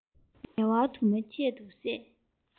ངལ བ དུ མ ཁྱད དུ བསད